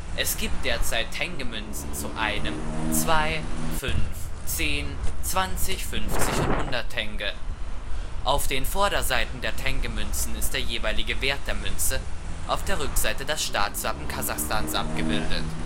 Es gibt derzeit Tenge-Münzen zu 1, 2, 5, 10, 20, 50 und 100 Tenge. Auf den Vorderseiten der Tenge-Münzen ist der jeweilige Wert der Münze, auf der Rückseite das Staatswappen Kasachstans abgebildet